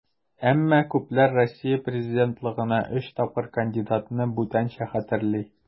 Әмма күпләр Россия президентлыгына өч тапкыр кандидатны бүтәнчә хәтерли.